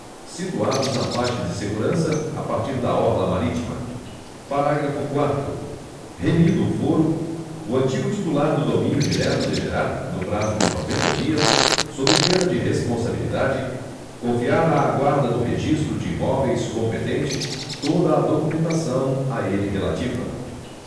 situados na faixa de segurança a partir da orla marítima parágrafo quarto remido o foro o antigo titular do domínio direto deverá no prazo de noventa dias sob pena de responsabilidade confiar à guarda do registro de imóveis competente toda a documentação a ele relativa